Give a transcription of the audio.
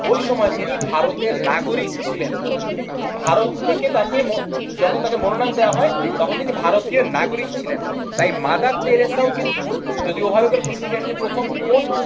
ওই সময় তিনি ভারতের নাগরিক ছিলেন ভারত থেকে তাকে যখন তাকে মনোনয়ন দেয়া হয় তখন তিনি ভারতীয় নাগরিক ছিলেন তাই মাদার তেরেসা ও কিন্তু যদিও ভাবে করে প্রশ্ন আর আসে যে প্রথম কোন